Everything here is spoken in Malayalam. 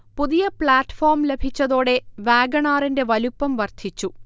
പുതിയ പ്ലാറ്റ്ഫോം ലഭിച്ചതോടെ വാഗണാറിന്റെ വലുപ്പം വർധിച്ചു